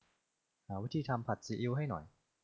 หาวิธีทำผัดซีอิ๊วให้หน่อย